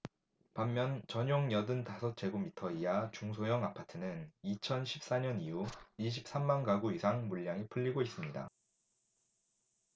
반면 전용 여든 다섯 제곱미터 이하 중소형 아파트는 이천 십 사 년 이후 이십 삼 만 가구 이상 물량이 풀리고 있습니다